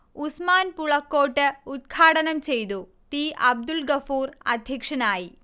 ഉസ്മാൻ പുളക്കോട്ട് ഉദ്ഘാടനം ചെയ്തു, ടി അബ്ദുൾഗഫൂർ അധ്യക്ഷനായി